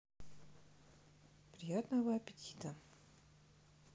приятного аппетита